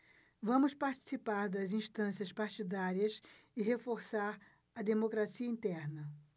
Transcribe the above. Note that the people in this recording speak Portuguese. vamos participar das instâncias partidárias e reforçar a democracia interna